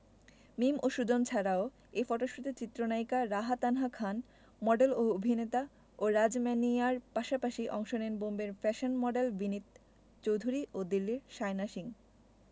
মিম ও সুজন ছাড়াও এ ফটোশ্যুটে চিত্রনায়িকা রাহা তানহা খান মডেল ও অভিনেতা ও রাজ ম্যানিয়ার পাশাপাশি অংশ নেন বোম্বের ফ্যাশন মডেল ভিনিত চৌধুরী ও দিল্লির শায়না সিং